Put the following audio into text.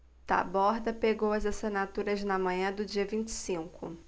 taborda pegou as assinaturas na manhã do dia vinte e cinco